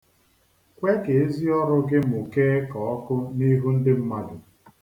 Kwe ka ezi ọrụ gị mụkee ka ọkụ n'ihu ndị mmadụ.